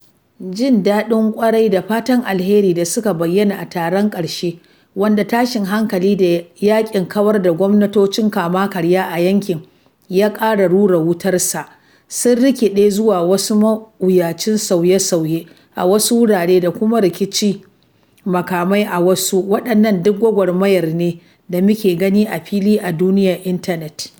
Jin daɗin ƙwarai da fatan alheri da suka bayyana a taron ƙarshe — wanda tashin hankalin da yaƙin kawar da gwamnatocin kama-karya a yankin ya ƙara rura wutarsa — sun rikide zuwa wasu mawuyacin sauye-sauye a wasu wurare, da kuma rikicin makamai a wasu. Waɗannan duk gwagwarmayar ne da muke gani a fili a duniyar intanet.